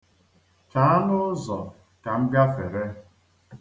Chaa n'ụzọ ka m gafere.